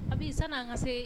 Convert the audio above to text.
Abi, sani an ka se